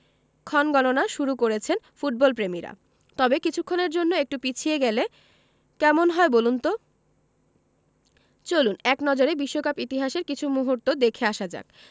ক্ষণগণনা শুরু করেছেন ফুটবলপ্রেমীরা তবে কিছুক্ষণের জন্য একটু পিছিয়ে গেলে কেমন হয় বলুন তো চলুন এক নজরে বিশ্বকাপ ইতিহাসের কিছু মুহূর্ত দেখে আসা যাক